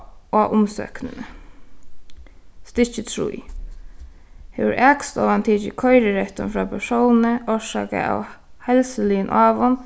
á umsóknini stykki trý hevur akstovan tikið koyrirættin frá persóni orsakað av heilsuligum ávum